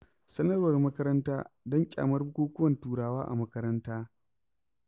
Sanarwar makaranta don ƙyamar bukukuwan Turawa a makaranta.